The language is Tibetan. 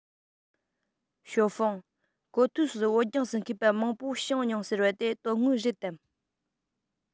ཞའོ ཧྥུང གོ ཐོས སུ བོད ལྗོངས སུ མཁས པ མང པོ བྱུང མྱོང ཟེར བ དེ དོན དངོས རེད དམ